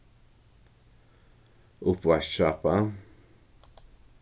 uppvaskisápa